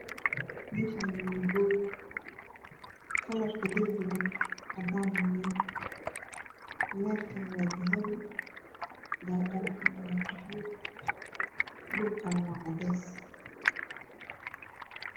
Halkan waa hool kalar guriga waa cadan larka kuxiran waa dahabi iyo cadan dhulka mutulelkan waa cades